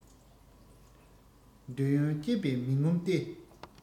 འདོད ཡོན སྤྱད པས མི ངོམས ཏེ